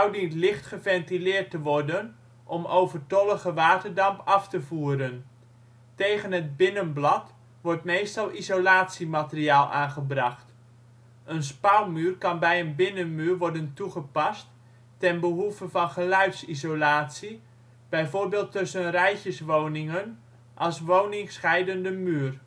dient licht geventileerd te worden om overtollige waterdamp af te voeren. Tegen het binnenblad wordt meestal isolatiemateriaal aangebracht. Een spouwmuur kan bij een binnenmuur worden toegepast ten behoeve van de geluidsisolatie, bijvoorbeeld tussen rijtjeswoningen als woningscheidende muur